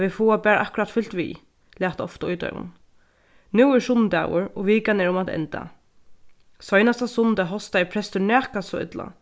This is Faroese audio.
at vit fáa bara akkurát fylgt við læt ofta í teimum nú er sunnudagur og vikan er um at enda seinasta sunnudag hostaði prestur nakað so illa